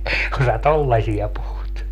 kun sinä tuollaisia puhut